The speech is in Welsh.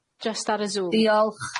Jyst ar y Zoom... Diolch.